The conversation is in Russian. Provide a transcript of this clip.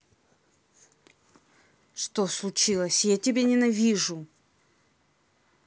что случилось я тебя ненавижу